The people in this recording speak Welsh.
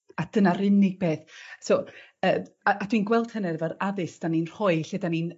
A dyna'r unig beth so yy a a dwi'n gweld hynny fel addysg 'dan ni'n rhoi lle 'dan ni'n